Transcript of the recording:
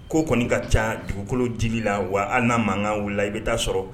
Ko kɔni ka ca dugukolo dili la wa hali n'a mankan wulila i bɛ ta'a sɔrɔ